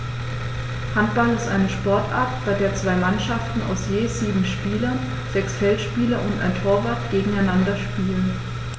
Handball ist eine Sportart, bei der zwei Mannschaften aus je sieben Spielern (sechs Feldspieler und ein Torwart) gegeneinander spielen.